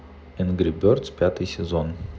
энгри бердс пятый сезон